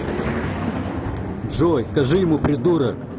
джой скажи ему придурок